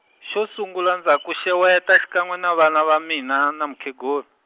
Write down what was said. xo sungula ndza ku xeweta xikan'we na vana va mina na mukhegulu.